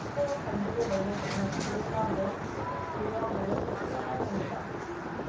일반적으로 반죽을 만들 때는 우유나 물 또는 우유와 물을 섞어서 사용합니다